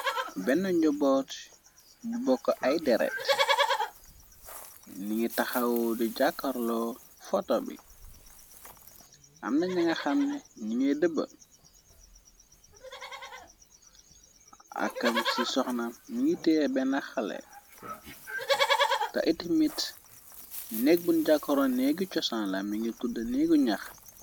Benn njoboot ñu bokk ay deret ningi taxaw di jàkkarlo foto bi amna ñanga xamne ni ngay dëbba akam ci soxna mi ngi tee benn xale te it mit nékk bun jàkkoroon néegi cosanla mi ngi tudda néegu ñax.